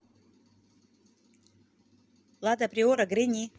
лада приора гренни